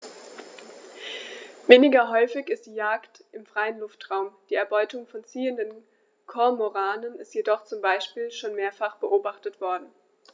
Weniger häufig ist die Jagd im freien Luftraum; die Erbeutung von ziehenden Kormoranen ist jedoch zum Beispiel schon mehrfach beobachtet worden.